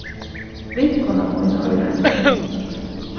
vinkona mín eigur eina kettu